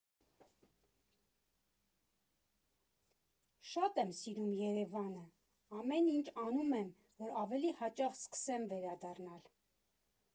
Շատ եմ սիրում Երևանը, ամեն ինչ անում եմ, որ ավելի հաճախ սկսեմ վերադառնալ։